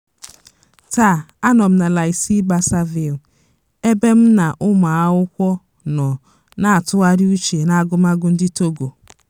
Taa anọ m na lycée Bassar Ville ebe m na ụmụ akwụkwọ nọ na-atụghari uche na agụmagụ ndị Togo.